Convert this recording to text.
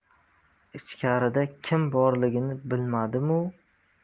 ichkarida kim borligini bilmadimu